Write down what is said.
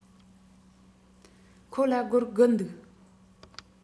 ཁོ ལ སྒོར དགུ འདུག